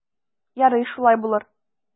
Ярый, шулай булыр.